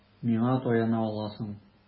Миңа таяна аласың.